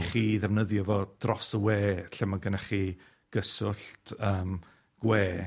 chi ddefnyddio fo dros y we lle ma' gynnoch chi gyswllt yym gwe.